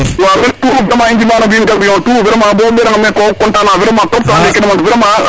*